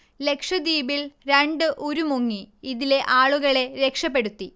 ലക്ഷദ്വീപിൽ രണ്ട് ഉരു മുങ്ങി ഇതിലെആളുകളെ രക്ഷപെടുത്തി